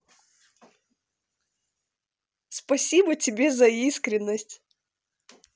спасибо тебе за искренность